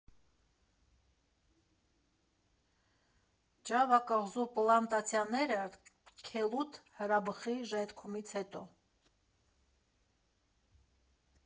Ճավա կղզու պլանտացիաները Քելուդ հրաբխի ժայթքումից հետո։